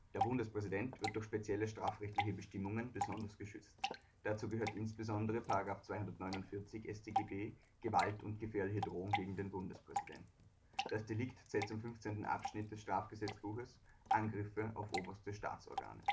Der Bundespräsident wird durch spezielle strafrechtliche Bestimmungen besonders geschützt. Dazu gehört insbesondere § 249 StGB „ Gewalt und gefährliche Drohung gegen den Bundespräsidenten “. Das Delikt zählt zum fünfzehnten Abschnitt des Strafgesetzbuches, „ Angriffe auf oberste Staatsorgane